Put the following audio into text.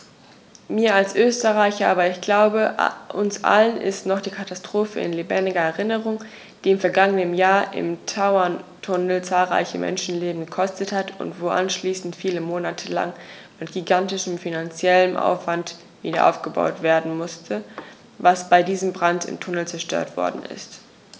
Mir als Österreicher, aber ich glaube, uns allen ist noch die Katastrophe in lebendiger Erinnerung, die im vergangenen Jahr im Tauerntunnel zahlreiche Menschenleben gekostet hat und wo anschließend viele Monate lang mit gigantischem finanziellem Aufwand wiederaufgebaut werden musste, was bei diesem Brand im Tunnel zerstört worden ist.